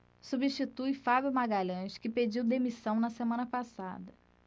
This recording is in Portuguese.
substitui fábio magalhães que pediu demissão na semana passada